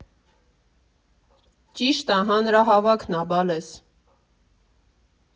֊ Ճիշտը հանրահավաքն ա, բալես։